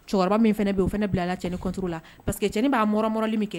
Cɛkɔrɔba min fana bɛ yen o fana bilalac nitu la parisekecin b'awɔɔrɔ min kɛ